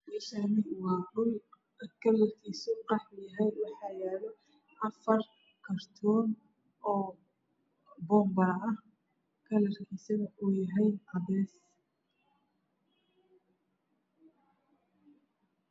Meshani waa dhul kslarkis qahwi ah waxayalo afar karton oo bobilo ah kalarkis oow yahay cades